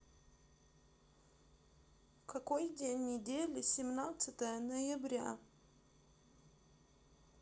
какой день недели семнадцатое ноября